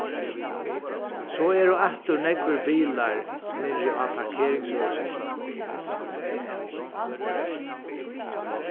so eru aftur nógvir bilar niðri á parkeringsøkinum